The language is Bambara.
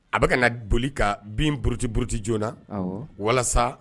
A bɛ kana d boli ka bin buruti buruti joona awɔ walasa